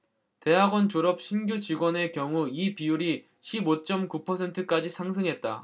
대학원 졸업 신규직원의 경우 이 비율이 십 오 쩜 구 퍼센트까지 상승했다